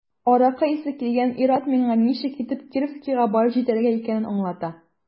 Аракы исе килгән ир-ат миңа ничек итеп Кировскига барып җитәргә икәнен аңлата.